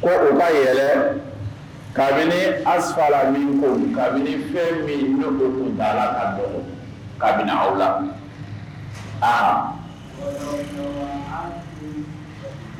Ko u b'a yɛlɛ kabini afala min ko kabini fɛn min tun la ka bɔ kabini aw la a